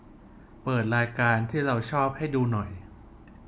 เปิดรายการที่เราชอบให้ดูหน่อย